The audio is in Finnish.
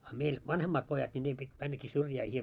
a meillä vanhemmat pojat niin niin piti mennäkin syrjään